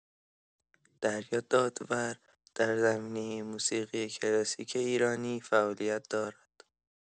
دریا دادور در زمینه موسیقی کلاسیک ایرانی فعالیت دارد.